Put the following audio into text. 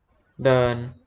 เดิน